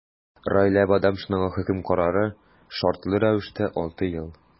Раилә Бадамшинага хөкем карары – шартлы рәвештә 6 ел.